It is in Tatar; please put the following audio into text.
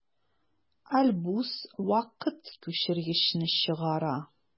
Альбус вакыт күчергечне чыгара.